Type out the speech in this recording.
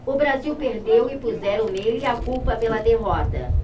o brasil perdeu e puseram nele a culpa pela derrota